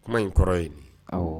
Kuma in kɔrɔ ye